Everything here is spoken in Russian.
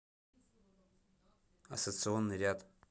ассоционный ряд